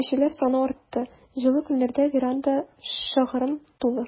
Йөрүчеләр саны артты, җылы көннәрдә веранда шыгрым тулы.